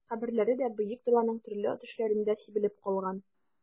Каберләре дә Бөек Даланың төрле төшләрендә сибелеп калган...